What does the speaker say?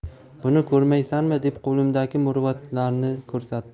buni ko'rmaysanmi deb qo'limdagi murvatlarni ko'rsatdim